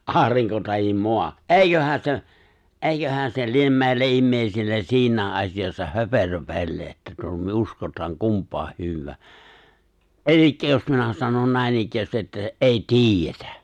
aurinko tai maa eiköhän se eiköhän se lie meille ihmisille siinä asiassa höperöpeli että - me uskotaan kumpaa hyvänsä eli jos minä sanon näinikään että ei tiedetä